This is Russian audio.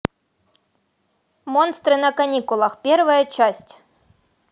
монстры на каникулах первая часть